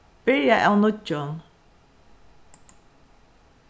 byrja av nýggjum